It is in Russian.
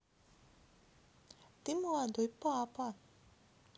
ты молодой папа